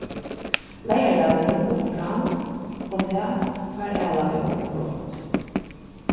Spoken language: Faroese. leygardagurin upprann og tað var ælaveður og grátt